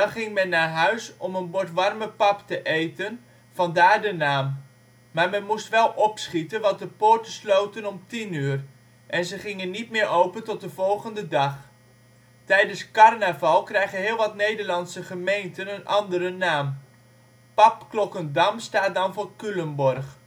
ging men naar huis om een bord warme pap te eten, vandaar de naam. Maar men moest wel opschieten, want de poorten sloten om 22:00 uur. En ze gingen niet meer open tot de volgende dag. Tijdens carnaval krijgen heel wat Nederlandse gemeenten een andere naam. Papklokkendam staat dan voor Culemborg